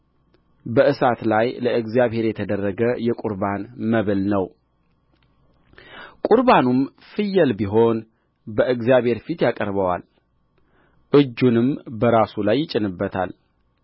በእሳት ላይ ለእግዚአብሔር የተደረገ የቍርባን መብል ነውቍርባኑም ፍየል ቢሆን በእግዚአብሔር ፊት ያቀርበዋልእጁንም በራሱ ላይ ይጭንበታል